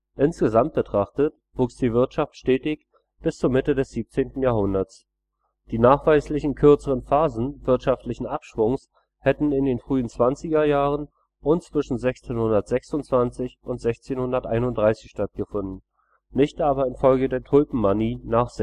Insgesamt betrachtet wuchs die Wirtschaft stetig bis zur Mitte des 17. Jahrhunderts. Die nachweislichen kürzeren Phasen wirtschaftlichen Abschwungs hätten in den frühen 20er Jahren und zwischen 1626 und 1631 stattgefunden, nicht aber in der Folge der Tulpenmanie nach